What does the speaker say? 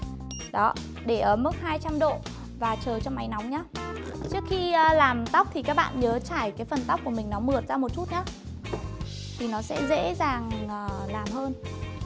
đó để ở mức hai trăm độ và chờ cho máy nóng nha trước khi làm tóc thì các bạn nhớ chải cái phần tóc của mình nó mượt ra một chút nha thì nó sẽ dễ dàng làm hơn